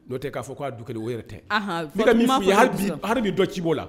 Dɔw tɛ k'a fɔ k'a kɛ o yɛrɛ tɛ ka ha dɔ ci b'o la